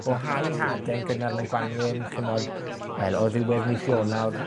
o hau hade yn gynnar yn y Gwanwyn chi 'mod, wel, o ddiwedd mis Ionawr